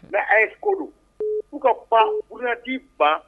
Mɛ a ko u ka pan kdi ban